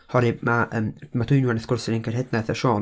Oherwydd ma', yym, Dwynwen, wrth gwrs, yr un cenhedlaeth â Siôn.